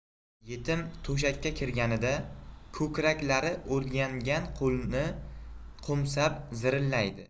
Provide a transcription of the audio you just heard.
yetim to'shakka kirganida ko'kraklari o'rgangan qo'lni qo'msab zirillaydi